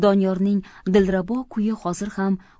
doniyorning dilrabo kuyi hozir ham